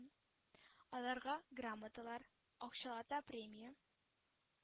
Аларга грамоталар, акчалата премия